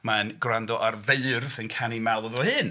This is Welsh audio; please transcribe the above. Mae'n gwrando ar feirdd yn canu mawl iddo fo ei hun.